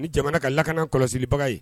Ni jamana ka lakana kɔlɔsi baga ye